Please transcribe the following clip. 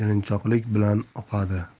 erinchoqlik bilan oqadi